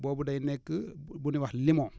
boobu day nekk bi ñuy wax limon